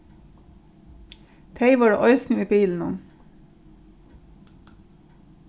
tey vóru eisini í bilinum